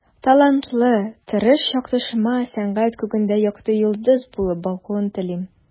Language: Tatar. Талантлы, тырыш якташыма сәнгать күгендә якты йолдыз булып балкуын телим.